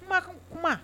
Kuma ko kuma